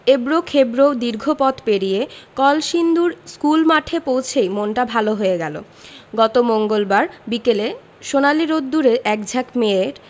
এবড়োখেবড়ো দীর্ঘ পথ পেরিয়ে কলসিন্দুর স্কুলমাঠে পৌঁছেই মনটা ভালো হয়ে গেল গত মঙ্গলবার বিকেলে সোনালি রোদ্দুরে একঝাঁক মেয়ের